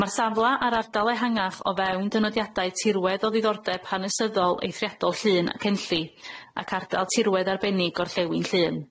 Ma'r safla ar ardal ehangach o fewn dynodiadau tirwedd o ddiddordeb hanesyddol eithriadol Llŷn ac Enlli ac ardal tirwedd arbennig gorllewin Llŷn.